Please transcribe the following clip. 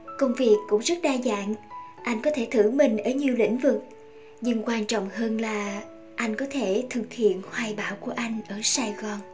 công việc cũng rất đa dạng anh có thể thử mình ở nhiều lĩnh vực nhưng quan trọng hơn là anh có thể thực hiện hoài bão của anh ở sài gòn